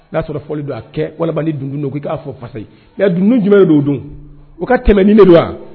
N y'a sɔrɔ fɔli don a kɛ dundo don' i'a fɔ fasa dunun jumɛn ye o don o ka tɛmɛ ni don wa